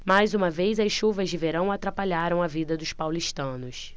mais uma vez as chuvas de verão atrapalharam a vida dos paulistanos